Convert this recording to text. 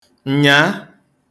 ǹnyàa